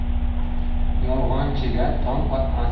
yolg'onchiga tong otmas